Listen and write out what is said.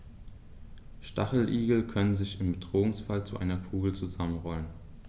Stacheligel können sich im Bedrohungsfall zu einer Kugel zusammenrollen.